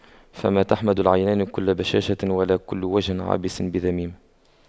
فما تحمد العينان كل بشاشة ولا كل وجه عابس بذميم